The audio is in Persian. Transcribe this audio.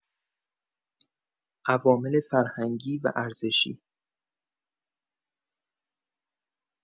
عوامل فرهنگی و ارزشی